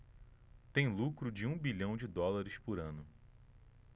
tem lucro de um bilhão de dólares por ano